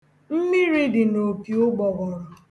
Mmiri dị na opiụgḅghọrọ